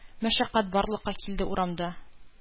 Мәшәкать барлыкка килде урамда: